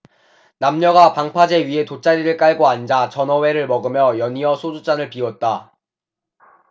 남녀가 방파제 위에 돗자리를 깔고 앉아 전어회를 먹으며 연이어 소주잔을 비웠다